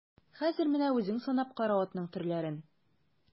Хәзер менә үзең санап кара атның төрләрен.